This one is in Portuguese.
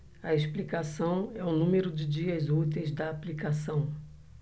a explicação é o número de dias úteis da aplicação